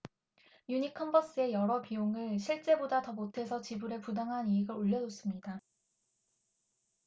유니컨버스에 여러 비용을 실제보다 더 보태서 지불해 부당한 이익을 올려줬습니다